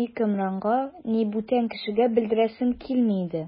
ни Кәмранга, ни бүтән кешегә белдерәсем килми иде.